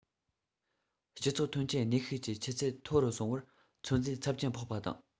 སྤྱི ཚོགས ཐོན སྐྱེད ནུས ཤུགས ཀྱི ཆུ ཚད མཐོ རུ སོང བར ཚོད འཛིན ཚབས ཆེན ཕོག པ དང